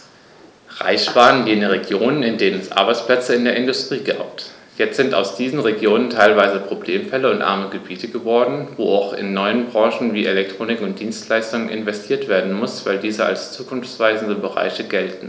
Reich waren jene Regionen, in denen es Arbeitsplätze in der Industrie gab. Jetzt sind aus diesen Regionen teilweise Problemfälle und arme Gebiete geworden, wo auch in neue Branchen wie Elektronik und Dienstleistungen investiert werden muss, weil diese als zukunftsweisende Bereiche gelten.